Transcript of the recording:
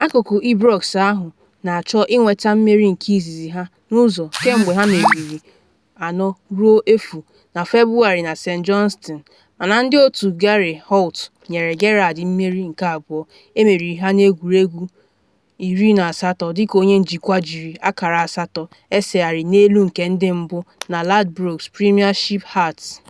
Akụkụ Ibrox ahụ na-achọ inweta mmeri nke izizi ha n’ụzọ kemgbe ha meriri 4-1 na Febuarị na St Johnstone, mana ndị otu Gary Holt nyere Gerrard mmeri nke abụọ emeriri ha n’egwuregwu 18 dịka onye njikwa jiri akara asatọ esegharị n’elu nke ndị mbu na Ladbrokes Premiership, Hearts.